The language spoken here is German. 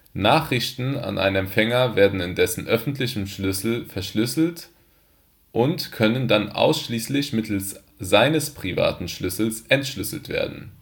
Nachrichten an einen Empfänger werden mit dessen öffentlichem Schlüssel verschlüsselt und können dann ausschließlich mittels seines privaten Schlüssels entschlüsselt werden